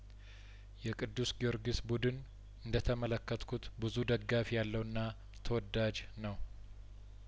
የቅዱስ ጊዮርጊስ ቡድን እንደተመለከትኩት ብዙ ደጋፊ ያለውና ተወዳጅ ነው